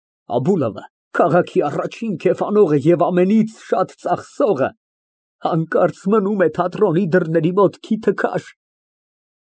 Աբուլովտ, քաղաքի առաջին քեֆ անողն և ամենից շատ ծախսողը, հանկարծ մնում է թատրոնի դռների մոտ քիթը քաշ։